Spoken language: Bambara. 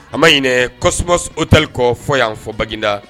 An ma ɲininɛ Cosmos Hotel fɔ ɲan f Baguineda.